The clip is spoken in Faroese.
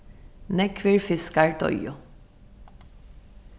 nógvir fiskar doyðu